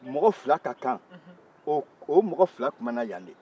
mɔgɔ fila ka kan o mɔgɔ fila kumara yan de